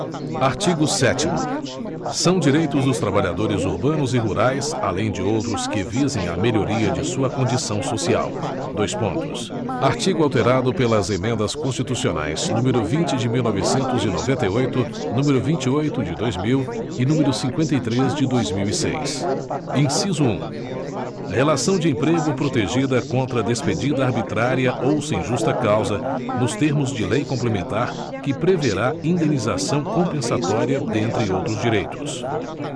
artigo sétimo são direitos dos trabalhadores urbanos e rurais além de outros que visem à melhoria de sua condição social dois pontos artigo alterado pelas emendas constitucionais número vinte de mil novecentos e noventa e oito número vinte e oito de dois mil e número cinqüenta e três de dois mil e seis inciso um relação de emprego protegida contra despedida arbitrária ou sem justa causa nos termos de lei complementar que preverá indenização compensatória dentre outros direitos